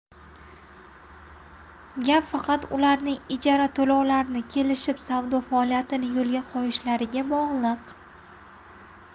gap faqat ularning ijara to'lovlarini kelishib savdo faoliyatini yo'lga qo'yishlariga bog'liq